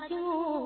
Naamu